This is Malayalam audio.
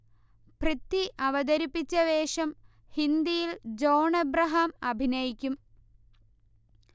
പൃഥ്വി അവതരിപ്പിച്ച വേഷം ഹിന്ദിയിൽ ജോൺ ഏബ്രഹാം അഭിനയിക്കും